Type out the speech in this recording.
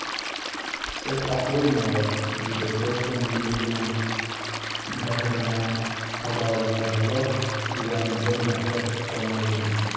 Сез хаклы, милорд, - диде Фельтон милединың бәгыренә кадалырлык тирән бер нәфрәт тоны белән.